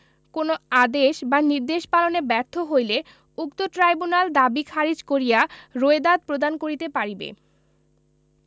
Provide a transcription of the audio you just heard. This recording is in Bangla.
কোন আদেশ বা নির্দেশ পালনে ব্যর্থ হইলে উক্ত ট্রাইব্যুনাল দাবী খারিজ করিয়া রোয়েদাদ প্রদান করিতে পারিবে